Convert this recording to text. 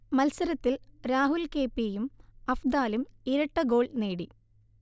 മത്സരത്തിൽ Rahul K P യും അഫ്ദാലും ഇരട്ടഗോൾ നേടി